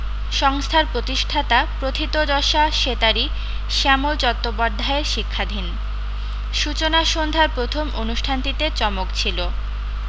সংস্থার প্রতিষ্ঠাতা প্রথিতযশা সেতারি শ্যামল চট্টোপধ্যায়ের শিক্ষাধীন সূচনা সন্ধ্যার প্রথম অনুষ্ঠানটিতে চমক ছিল